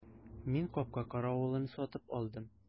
Мин капка каравылын сатып алдым.